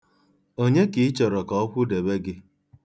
Onye ka ị chọrọ ka ọ kwụdebe gị?